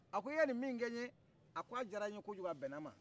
a ko i ye nin min kɛ n ye a k'a diyara n ye kojugu a bɛnna n ma